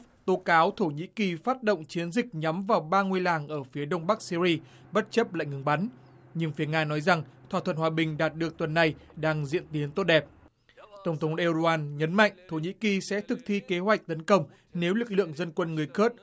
tố cáo thổ nhĩ kỳ phát động chiến dịch nhắm vào ba ngôi làng ở phía đông bắc sia ri bất chấp lệnh ngừng bắn nhưng phía nga nói rằng thỏa thuận hòa bình đạt được tuần này đang diễn biến tốt đẹp tổng thống ê rô oăn nhấn mạnh thổ nhĩ kỳ sẽ thực thi kế hoạch tấn công nếu lực lượng dân quân người cớt